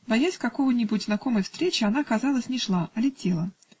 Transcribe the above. боясь какой-нибудь знакомой встречи, она, казалось, не шла, а летела.